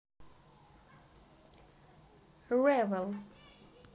ravel